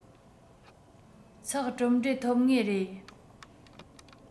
ཚེག གྲུབ འབྲས ཐོབ ངེས རེད